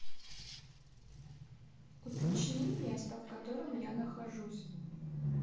уточни место в котором я нахожусь